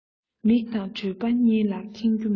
མིག དང གྲོད པ གཉིས ལ ཁེངས རྒྱུ མེད